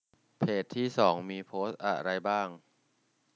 เพจที่สองมีโพสต์อะไรบ้าง